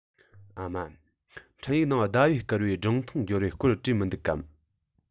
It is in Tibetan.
ཨ མ འཕྲིན ཡིག ནང ཟླ བས བསྐུར བའི སྒྲུང ཐུང འབྱོར བའི སྐོར བྲིས མི འདུག གམ